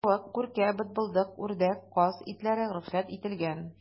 Тавык, күркә, бытбылдык, үрдәк, каз итләре рөхсәт ителгән.